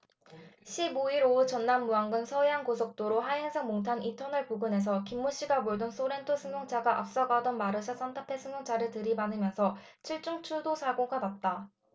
십 오 일 오후 전남 무안군 서해안고속도로 하행선 몽탄 이 터널 부근에서 김모씨가 몰던 쏘렌토 승용차가 앞서 가던 마르샤 싼타페 승용차를 들이받으면서 칠 중 추돌사고가 났다